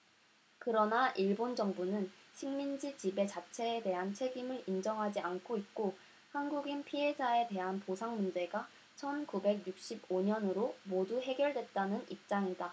그러나 일본 정부는 식민지 지배 자체에 대한 책임을 인정하지 않고 있고 한국인 피해자에 대한 보상 문제가 천 구백 육십 오 년으로 모두 해결됐다는 입장이다